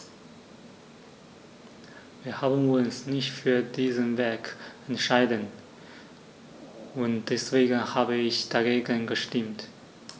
Wir haben uns nicht für diesen Weg entschieden, und deswegen habe ich dagegen gestimmt.